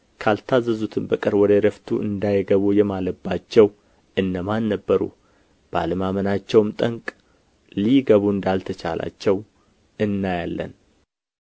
ካልታዘዙትም በቀር ወደ እረፍቱ እንዳይገቡ የማለባቸው እነማን ነበሩ ባለማመናቸውም ጠንቅ ሊገቡ እንዳልተቻላቸው እናያለን